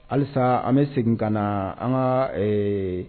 Halisaa an be segin kanaa an ŋa ee